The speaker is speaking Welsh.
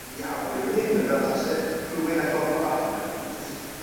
diawl yw hyn a fel tase rhywun â gormod o arian wedi jyst